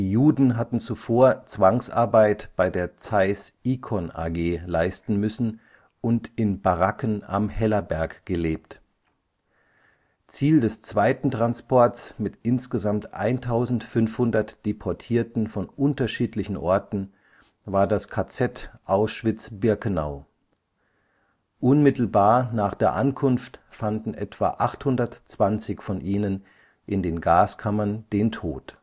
Juden hatten zuvor Zwangsarbeit bei der Zeiss Ikon AG leisten müssen und in Baracken am Hellerberg gelebt. Ziel des zweiten Transports mit insgesamt 1500 Deportierten von unterschiedlichen Orten war das KZ Auschwitz-Birkenau. Unmittelbar nach der Ankunft fanden etwa 820 von ihnen in den Gaskammern den Tod